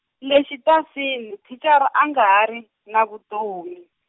le xitasini thicara a nga ha ri, na vutomi.